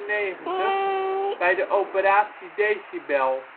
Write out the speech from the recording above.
10e van de 10e in 1995 bij de Operatie Decibel